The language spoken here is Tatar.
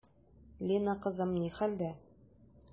Лина кызым ни хәлдә?